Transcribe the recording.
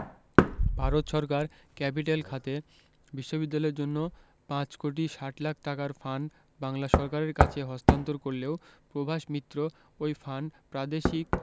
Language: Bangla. ভারত সরকার ক্যাপিটেল খাতে বিশ্ববিদ্যালয়ের জন্য ৫ কোটি ৬০ লাখ টাকার ফান্ড বাংলা সরকারের কাছে হস্তান্তর করলেও প্রভাস মিত্র ওই ফান্ড প্রাদেশিক